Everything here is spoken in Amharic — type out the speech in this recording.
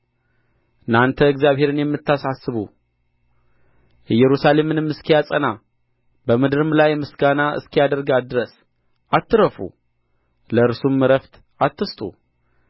እናንተ እግዚአብሔርን የምታሳስቡ ኢየሩሳሌምን እስኪያጸና በምድርም ላይ ምስጋና እስኪያደርጋት ድረስ አትረፉ ለእርሱም ዕረፍት አትስጡ